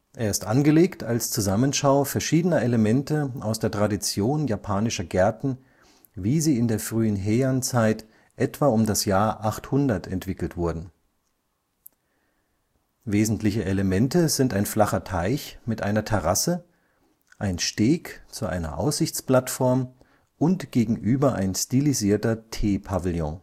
Er ist angelegt als Zusammenschau verschiedener Elemente aus der Tradition japanischer Gärten, wie sie in der frühen Heian-Zeit etwa um das Jahr 800 entwickelt wurden. Wesentliche Elemente sind ein flacher Teich mit einer Terrasse, ein Steg zu einer Aussichtsplattform und gegenüber ein stilisierter Tee-Pavillon